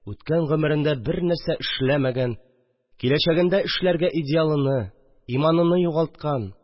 Үткән гомерендә бер нәрсә эшләмәгән, киләчәгендә эшләргә идеалыны, иманыны югалткан